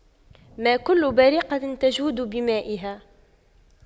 ما كل بارقة تجود بمائها